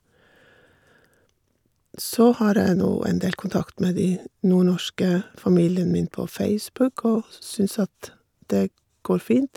Så har jeg nå en del kontakt med de nordnorske familien min på Facebook, og s synes at det går fint.